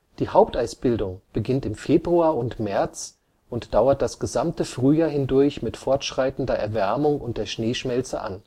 Die Haupteisbildung beginnt im Februar und März und dauert das gesamte Frühjahr hindurch mit fortschreitender Erwärmung und der Schneeschmelze an